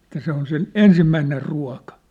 että se on sen ensimmäinen ruoka